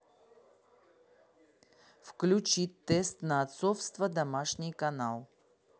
включи тест на отцовство домашний канал